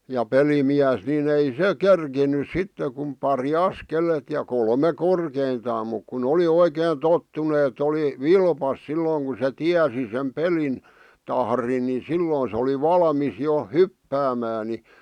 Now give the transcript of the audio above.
ja pelimies niin ei se kerinnyt sitten kuin pari askeletta ja kolme korkeintaan mutta kun oli oikein tottunut että oli vilpas silloin kun se tiesi sen pelin tahdin niin silloin se oli valmis jo hyppäämään niin